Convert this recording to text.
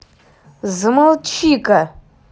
замолчи ка